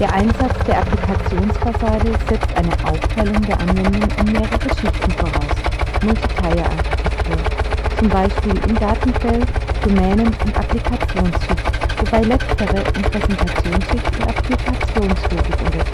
Einsatz der Applikations-Fassade setzt eine Aufteilung der Anwendung in mehrere Schichten voraus (Multi-Tier-Architektur): Datenquellschicht Domänenschicht Applikation Applikationslogik Präsentationsschicht Typischerweise